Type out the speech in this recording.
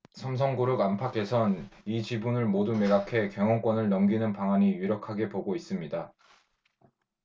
삼성그룹 안팎에선 이 지분을 모두 매각해 경영권을 넘기는 방안이 유력하게 보고 있습니다